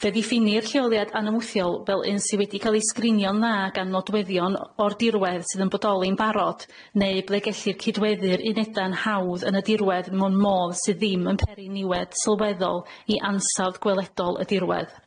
Fe ddiffinir lleoliad anamwthiol fel un sy wedi ca'l ei sgrinio'n dda gan nodweddion o- o'r dirwedd sydd yn bodoli'n barod neu ble gellir cydweddu'r uneda'n hawdd yn y dirwedd mewn modd sydd ddim yn peri niwed sylweddol i ansawdd gweledol y dirwedd.